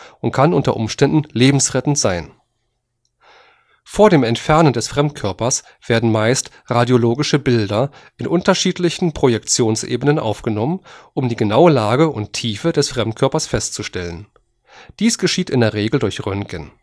und kann unter Umständen lebensrettend sein. Vor dem Entfernen des Fremdkörpers werden meist radiologische Bilder in unterschiedlichen Projektionsebenen aufgenommen, um die genaue Lage und Tiefe des Fremdkörpers festzustellen. Dies geschieht in der Regel durch Röntgen